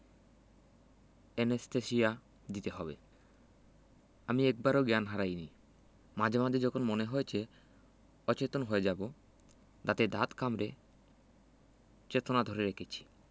anaesthesia দিতে হবে আমি একবারও জ্ঞান হারাইনি মাঝে মাঝে যখন মনে হয়েছে অচেতন হয়ে যাবো দাঁতে দাঁত কামড়ে চেতনা ধরে রেখেছি